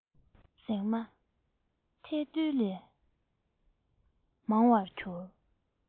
ཟེགས མ ཐལ རྡུལ ལས མང བར གྱུར